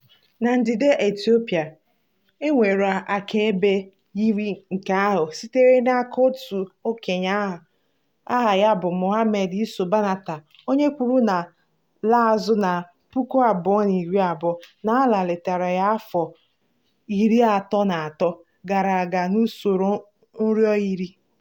Na ndịda Etiopia, enwere akaebe yiri nke ahụ sitere n'aka otu okenye aha ya bụ Mohammed Yiso Banatah, onye kwuru na laa azụ na 2012 na Allah letara ya afọ 33 gara aga n'usoro nrọ iri.